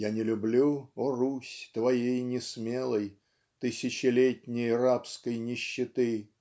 "Я не люблю, о Русь, твоей несмелой тысячелетней рабской нищеты",